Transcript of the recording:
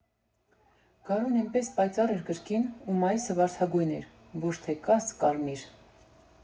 Գարունն էնպես պայծառ էր կրկին, ու մայիսը վարդագույն էր, ոչ թե կաս֊կարմիր։